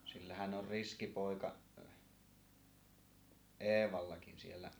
sillähän on riski poika Eevallakin siellä